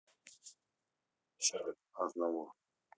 шарль азнавур